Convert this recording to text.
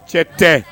Cɛ tɛ